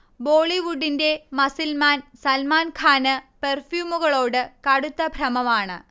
ബോളിവുഡിന്റെ muscle man സൽമാൻഖാന് പെർഫ്യൂമുകളോട് കടുത്ത ഭ്രമമാണ്